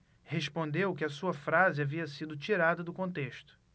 respondeu que a sua frase havia sido tirada do contexto